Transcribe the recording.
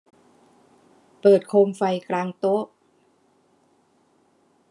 เปิดโคมไฟกลางโต๊ะ